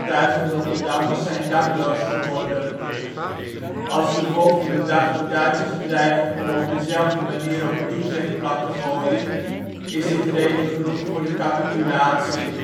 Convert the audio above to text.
Rotterdammers zijn dakloos geworden. Als de volgende dag de Duitsers dreigen om op dezelfde manier ook Utrecht plat te gooien, is dit reden genoeg voor de capitulatie